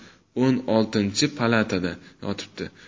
o'n oltinchi palatada yotibdi